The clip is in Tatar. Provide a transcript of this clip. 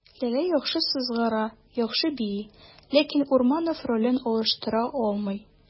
Ләлә яхшы сызгыра, яхшы бии, ләкин Урманов ролен алыштыра алмый.